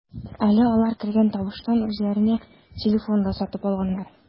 Әле алар кергән табыштан үзләренә телефон да сатып алганнар.